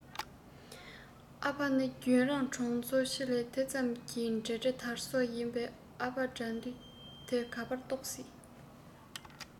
ཨ ཕ ནི རྒྱུན རང གྲོང ཚོ ཕྱི ལ དེ ཙམ གྱི འབྲེལ དེ དར སོ ཞིག ཡིན པ ནི ཨ ཕ དགྲ འདུལ གི ག པར རྟོག སྲིད